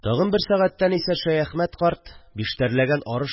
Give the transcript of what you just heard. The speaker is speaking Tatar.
Тагын бер сәгатьтән исә Шәяхмәт карт биштәрләгән арыш